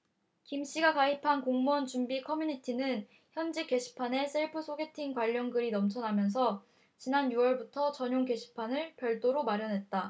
김씨가 가입한 공무원 준비 커뮤니티는 현직 게시판에 셀프 소개팅 관련 글이 넘쳐나면서 지난 유 월부터 전용 게시판을 별도로 마련했다